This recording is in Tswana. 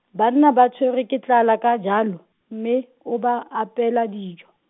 banna ba tshwerwa ke tlala ka jalo, mme, o ba apeela dijo.